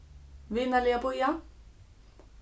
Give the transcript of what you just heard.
vinarliga bíða